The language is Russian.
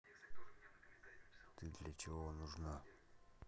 ты для чего нужна